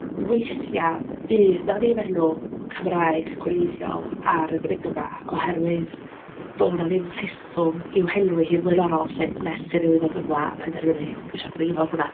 Weithia fydd 'na ddim enw Cymraeg gwreiddiol ar y ddringfa, oherwydd doedd 'na ddim rheswm i'w henwi hi'n flaenorol 'lly, nes i rywun ddod yma a penderfynu "dwi isio dringo hwnna".